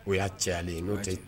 O y'a cɛlen ye n'o tɛ